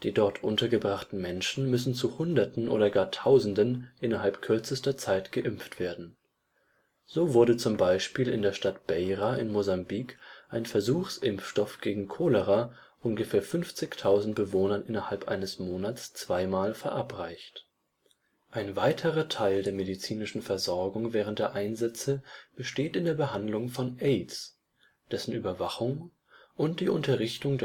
dort untergebrachten Menschen müssen zu Hunderten oder gar Tausenden innerhalb kürzester Zeit geimpft werden. So wurde zum Beispiel in der Stadt Beira in Mosambik ein Versuchsimpfstoff gegen Cholera ungefähr 50.000 Bewohnern innerhalb eines Monats zweimal verabreicht. Ein weiterer Teil der medizinischen Versorgung während der Einsätze besteht in der Behandlung von Aids, dessen Überwachung und die Unterrichtung